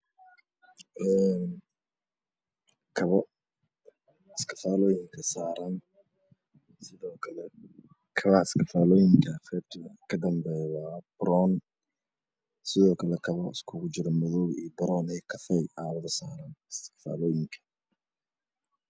Kabomiiska saaran sidookale kabahaas kadanbeeyaa waa baroon sodookale kaba isugu jira madawbaraw iyo kafee